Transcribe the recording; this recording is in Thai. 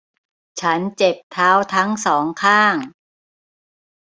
ฉันเจ็บเท้าทั้งสองข้าง